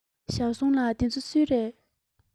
ཞའོ སུང ལགས འདི ཚོ སུའི རེད